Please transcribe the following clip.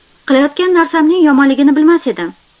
qilayotgan narsamning yomonligini bilmas edim